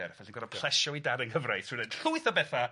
ferch. Felly, gor'o' plesio 'i dad yng nghyfraith trwy neud llwyth o betha...